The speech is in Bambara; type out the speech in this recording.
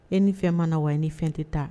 E ni fɛn ma na wa i ni fɛn tɛ taa